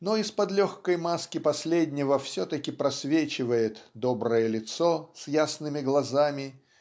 но из-под легкой маски последнего все-таки просвечивает доброе лицо с ясными глазами